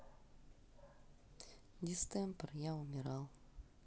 distemper я умирал